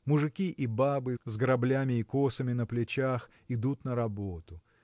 Мужики и бабы, с граблями и косами на плечах, идут на работу.